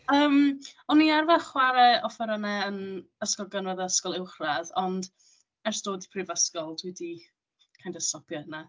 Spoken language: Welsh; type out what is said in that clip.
Yym o'n i arfer chwarae offerynnau yn ysgol gynradd a ysgol uwchradd, ond ers dod i'r prifysgol dwi 'di kind of stopio hynna.